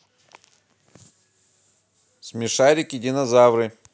смешарики динозавры